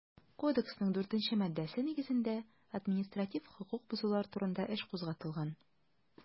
Кодексның 4 нче маддәсе нигезендә административ хокук бозулар турында эш кузгатылган.